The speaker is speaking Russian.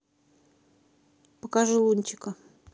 покажи лунтика